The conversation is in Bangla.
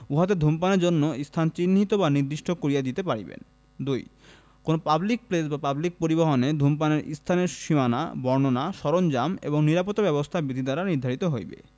উহাতে ধূমপানের জন্য স্থান চিহ্নিত বা নির্দিষ্ট করিয়া দিতে পারিবেন ২ কোন পাবলিক প্লেস বা পাবলিক পরিবহণে ধূমপানের স্থানের সীমানা বর্ণনা সরঞ্জাম এবং নিরাপত্তা ব্যবস্থা বিধি দ্বারা নির্ধারিত হইবে